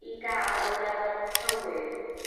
i ga'l y lefel cywir